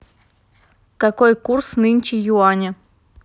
какой курс нынче юаня